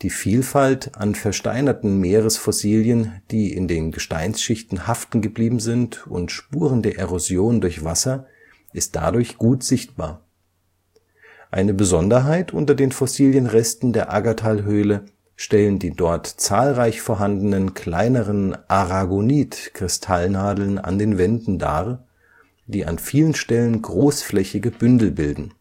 Vielfalt an versteinerten Meeresfossilien, die in den Gesteinsschichten haften geblieben sind und Spuren der Erosion durch Wasser ist dadurch gut sichtbar. Eine Besonderheit unter den Fossilienresten der Aggertalhöhle stellen die dort zahlreich vorhandenen kleineren Aragonit-Kristallnadeln an den Wänden dar, die an vielen Stellen großflächige Bündel bilden